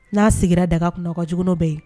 N'a sigira daga kun kaugun bɛ yen